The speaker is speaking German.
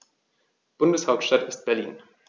Bundeshauptstadt ist Berlin.